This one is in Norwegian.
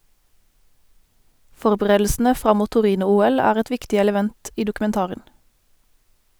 Forberedelsene fram mot Torino-OL er et viktig element i dokumentaren.